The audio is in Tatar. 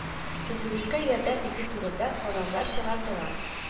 Төзелешкә ярдәм итү турында карарлар чыгардылар